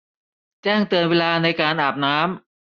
แจ้งเตือนเวลาในการอาบน้ำ